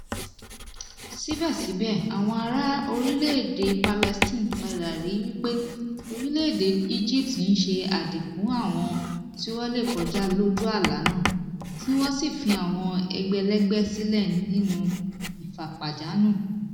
Síbẹ̀síbẹ̀, àwọn ará orílẹ̀-èdè Palestine padà ríi wípé orílẹ̀-èdè Egypt ń ṣe àdínkù àwọn tí wọ́n le kọjá lójú àlà náà, tí wọ́n sì fi àwọn ẹgbẹ̀lẹ́gbẹ̀ sílẹ̀ nínú ìfapájánú.